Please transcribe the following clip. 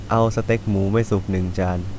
เอาสเต็กหมูไม่สุกหนึ่งจาน